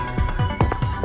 ơ